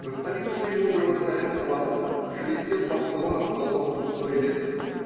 За столицей мудрого царя Соломона шелестел по склонам холмов густой лес.